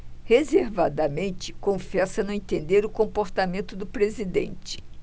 reservadamente confessa não entender o comportamento do presidente